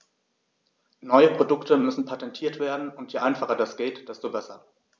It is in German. Neue Produkte müssen patentiert werden, und je einfacher das geht, desto besser.